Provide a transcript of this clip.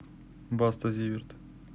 баста зиверт